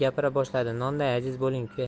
lanib gapira boshladi nonday aziz bo'ling uka